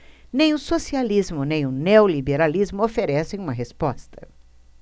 nem o socialismo nem o neoliberalismo oferecem uma resposta